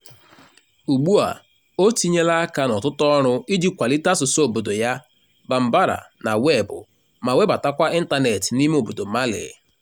Ugbua, o tinyela aka n'ọtụtụ ọrụ iji kwalite asụsụ obodo ya, Bambara, na Weebụ, ma webatakwa ịntanetị n'ime obodo Mali.